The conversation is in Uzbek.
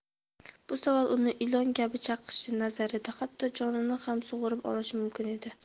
bu savol uni ilon kabi chaqishi nazarida hatto jonini ham sug'urib olishi mumkin edi